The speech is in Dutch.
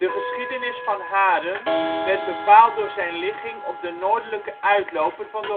geschiedenis van Haren werd bepaald door zijn ligging op de noordelijke uitloper van